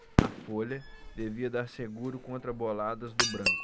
a folha devia dar seguro contra boladas do branco